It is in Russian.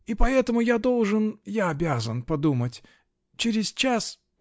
И потому я должен, я обязан -- подумать!!. Через час.